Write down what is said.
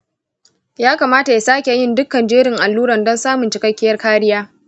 ya kamata ya sake yin dukkan jerin alluran don samun cikakkiyar kariya .